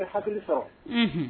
U bɛ hakili sɔrɔ